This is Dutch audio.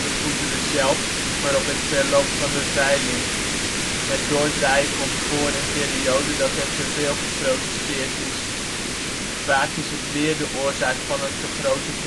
goederen zelf, maar op het verloop van de veiling. Het doordraaien komt voor in perioden dat er te veel geproduceerd is. Vaak is het weer de oorzaak van een te grote